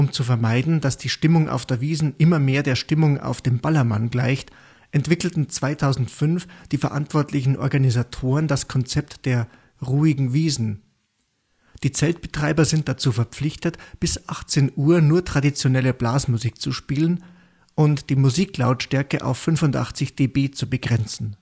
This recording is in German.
zu vermeiden, dass die Stimmung auf der Wiesn immer mehr der Stimmung auf dem Ballermann gleicht, entwickelten 2005 die verantwortlichen Organisatoren das Konzept der Ruhigen Wiesn. Die Zeltbetreiber sind dazu verpflichtet, bis 18:00 Uhr nur traditionelle Blasmusik zu spielen und die Musiklautstärke auf 85 dB zu begrenzen